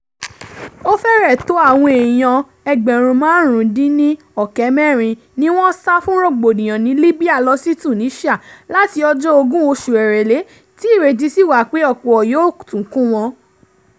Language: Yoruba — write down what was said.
Ó fẹ́rẹ̀ tó àwọn èèyàn 75,000 ni wọ́n sá fún rògbòdìyàn ní Libya lọ sí Tunisia, láti ọjọ́ 20 oṣù Èrèlé, tí ìrètí sì wà pé ọ̀pọ̀ yóò tún kún wọn.